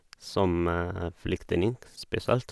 Som flyktning, spesielt.